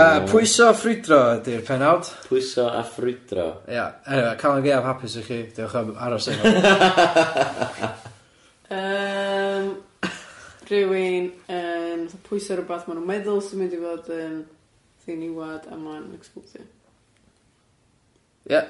Yy pwyso a ffrwydro ydi'r pennawd. Pwyso a ffrwydro. Ia eniwe Calan Gaeaf hapus i chi, diolch am aros efo ni . Yym rywun yn fatha pwyso rwbath ma'n nhw'n meddwl sy'n mynd i fod yn ddiniwad a ma'n explosive. Ia.